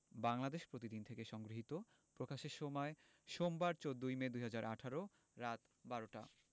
বাংলাদেশ প্রতিদিন থেলে সংগৃহীত প্রকাশের সময় সোমবার ১৪ মে ২০১৮ রাত ১২টা